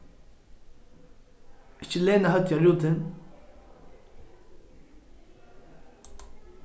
ikki lena høvdið á rútin